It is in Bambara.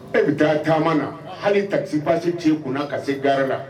E bɛ taa taama na; Anhan; hali taxi pase t'i kunna ka se gare la